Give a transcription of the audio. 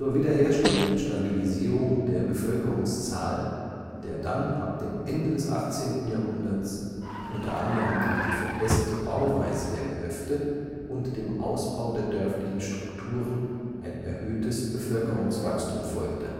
Wiederherstellung und Stabilisierung der Bevölkerungszahl, der dann ab dem Ende des 18. Jahrhunderts u. a. durch die verbesserte Bauweise der Gehöfte (fränkisches Gehöft) und dem Ausbau der dörflichen Strukturen (Haufendörfer) ein erhöhtes Bevölkerungswachstum folgte